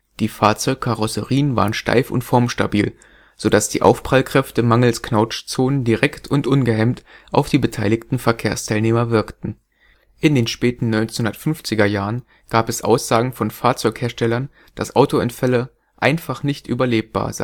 Die Fahrzeugkarosserien waren steif und formstabil, so dass die Aufprallkräfte mangels Knautschzonen direkt und ungehemmt auf die beteiligten Verkehrsteilnehmer wirkten. In den späten 1950er Jahren gab es Aussagen von Fahrzeugherstellern, dass Autounfälle „ einfach nicht überlebbar